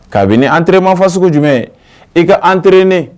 Kabini an terirmafa sugu jumɛn i ka an terir ne